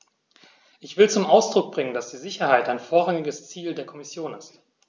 Ich will zum Ausdruck bringen, dass die Sicherheit ein vorrangiges Ziel der Kommission ist.